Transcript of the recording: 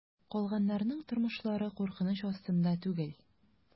Калганнарның тормышлары куркыныч астында түгел.